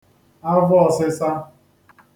avọ̄ọsịsa